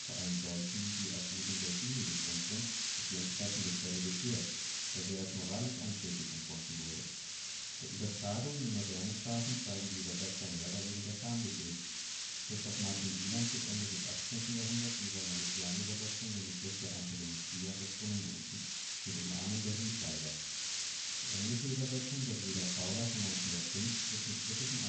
allem solchen, die ad usum Delphini bestimmt sind, ist die entsprechende Stelle gekürzt, da sie als moralisch anstößig empfunden wurde. Bei Übertragungen in moderne Sprachen zeigen die Übersetzer mehr oder weniger Schamgefühl: Christoph Martin Wieland gibt Ende des 18. Jahrhunderts in seiner Lukian-Übersetzung den Begriff der Ampelomixia recht ununwunden mit „ Umarmung der Reb-Weiber “. Die englische Übersetzung der Brüder Fowler von 1905 spricht mit britischem